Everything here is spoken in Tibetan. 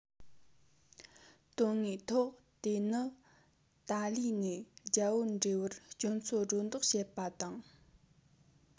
དོན དངོས ཐོག དེ ནི ཏཱ ལའི ནས རྒྱ བོད འབྲེལ བར སྐྱོན འཚོལ སྒྲོ འདོགས བྱེད པ དང